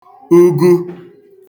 ugu